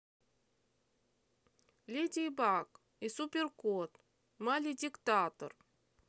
леди баг и супер кот маледиктатор